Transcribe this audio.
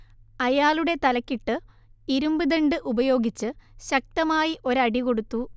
അയാളുടെ തലക്കിട്ടു ഇരുമ്പ്ദണ്ഡ് ഉപയോഗിച്ച് ശക്തമായി ഒരടി കൊടുത്തു